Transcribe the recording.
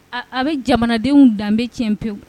A be jamanadenw danbe tiɲɛ pewu.